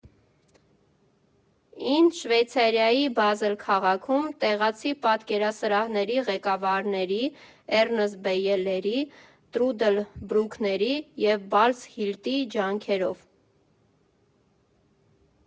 ֊ին Շվեյցարիայի Բազել քաղաքում՝ տեղացի պատկերասրահների ղեկավարներ Էռնստ Բեյէլերի, Տրուդլ Բրուքների և Բալզ Հիլտի ջանքերով։